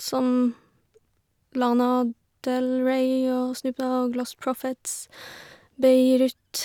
Som Lana Del Rey og Snoop Dogg, Lost Prophets, Beirut.